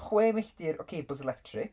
Chwe milltir o cables electric.